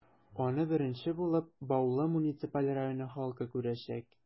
Аны беренче булып, Баулы муниципаль районы халкы күрәчәк.